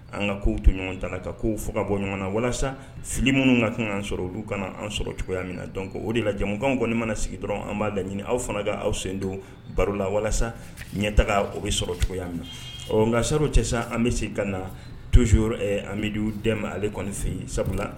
An ka kow to ɲɔgɔn ta la ka ko fo ka bɔ ɲɔgɔn na walasa fili minnu ka kan'an sɔrɔ olu kana an sɔrɔ cogoya min na dɔn o de la jamumukanw kɔni mana sigi dɔrɔn an b'a laɲini aw fana ka aw sen denw baro la walasa ɲɛ taga o bɛ sɔrɔ cogoya min na ɔ n nka sariro cɛ an bɛ se ka na toz amibidu dɛmɛ ma ale kɔni fɛ yen sabula